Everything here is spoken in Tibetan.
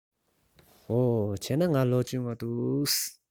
འོ བྱས ན ང ལོ ཆུང བ འདུག